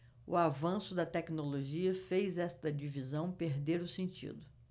o avanço da tecnologia fez esta divisão perder o sentido